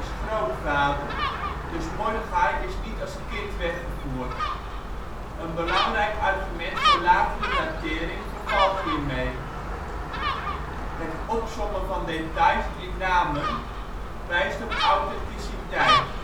grootvader, dus Mordechai is niet als kind weggevoerd. Een belangrijk argument voor latere datering vervalt hiermee; Het opsommen van details in namen wijst op authenticiteit